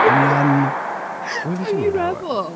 O'n i yn... Tiny Rebel.